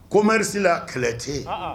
Commerce la kɛlɛ tɛ yen, an an